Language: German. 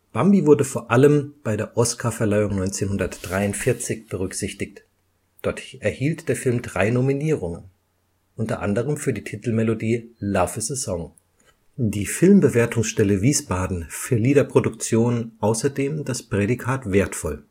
Bambi wurde vor allem bei der Oscarverleihung 1943 berücksichtigt, dort erhielt der Film drei Nominierungen, u. a. für die Titelmelodie Love Is a Song. Die Filmbewertungsstelle Wiesbaden verlieh der Produktion außerdem das Prädikat wertvoll